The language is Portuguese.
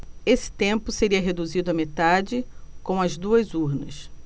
esse tempo seria reduzido à metade com as duas urnas